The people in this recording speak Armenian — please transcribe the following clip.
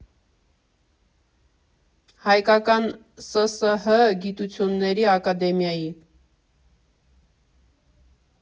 Հայկական ՍՍՀ Գիտությունների Ակադեմիայի։